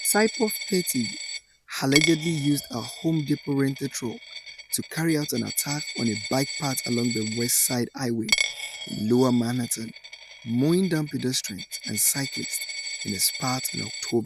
Saipov, 30, allegedly used a Home Depot rental truck to carry out an attack on a bike path along the West Side Highway in Lower Manhattan, mowing down pedestrians and cyclist in his path on Oct.